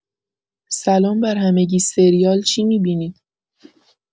سلام برهمگی سریال چی می‌بینید؟